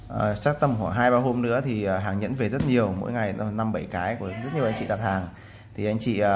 chắc tầm khoảng hôm nữa thì hàng nhẫn về rất nhiều mỗi ngày khoảng cái có rất nhiều anh chị đặt hàng